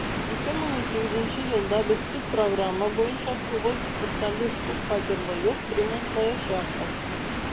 2018 елда без төп программа буенча 995 күп фатирлы йорт ремонтлаячакбыз.